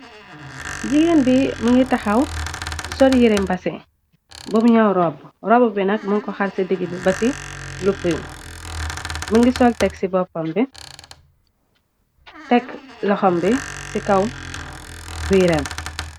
Jigeen bi mi ngi taxaw sor yire mbasé bum ñyow rob rob bi nag mun ko xar ci diggi ba ci lu pum mi ngi sol tek ci boppam tekk loxam bi ci kaw buy rem.